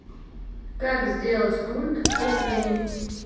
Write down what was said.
как сделать пульт окуни